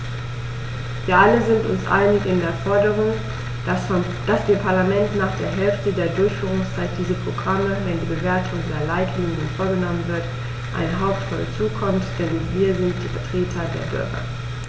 Wir alle sind uns einig in der Forderung, dass dem Parlament nach der Hälfte der Durchführungszeit dieser Programme, wenn die Bewertung der Leitlinien vorgenommen wird, eine Hauptrolle zukommt, denn wir sind die Vertreter der Bürger.